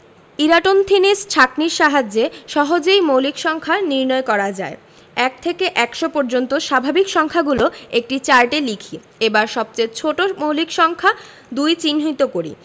Eratosthenes ছাঁকনির সাহায্যে সহজেই মৌলিক সংখ্যা নির্ণয় করা যায় ১ থেকে ১০০ পর্যন্ত স্বাভাবিক সংখ্যাগুলো একটি চার্টে লিখি এবার সবচেয়ে ছোট মৌলিক সংখ্যা ২ চিহ্নিত করি